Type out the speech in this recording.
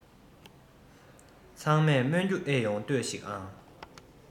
ཚང མས སྨོན རྒྱུ ཨེ ཡོང ལྟོས ཤིག ཨང